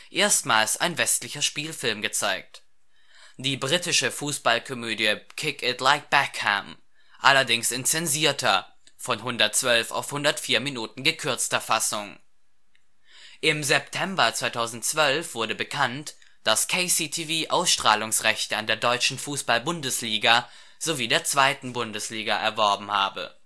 erstmals ein westlicher Spielfilm gezeigt, die britische Fußballkomödie Kick it like Beckham, allerdings in zensierter (von 112 auf 104 Minuten gekürzter) Fassung. Im September 2012 wurde bekannt, dass KCTV Ausstrahlungsrechte an der deutschen Fußball-Bundesliga sowie der zweiten Bundesliga erworben habe